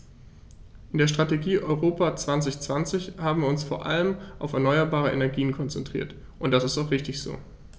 In der Strategie Europa 2020 haben wir uns vor allem auf erneuerbare Energien konzentriert, und das ist auch richtig so.